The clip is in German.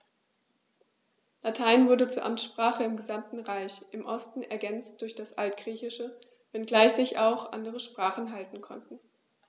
Latein wurde zur Amtssprache im gesamten Reich (im Osten ergänzt durch das Altgriechische), wenngleich sich auch andere Sprachen halten konnten.